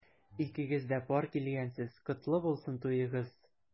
Икегез дә пар килгәнсез— котлы булсын туегыз!